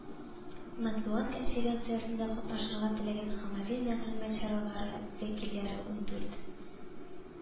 Матбугат конференциясендә катнашырга теләгән гамәви мәгълүмат чаралары вәкилләре ундүрт